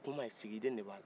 kuma ye sigiden de b'a la